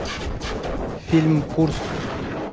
фильм курск